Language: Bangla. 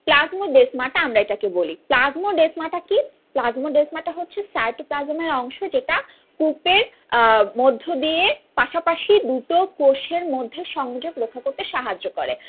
প্লাজমোডেজমাটা আমরা এটাকে বলি প্লাজমোডেজমাটা কি প্লাজমোডেজমাটা হচ্ছে সাইটোপ্লাজমের অংশ যেটা কুপের মধ্য দিয়ে পাশাপাশি দুটো কোষের মধ্যে সংযোগ রক্ষা করতে সাহায্য করে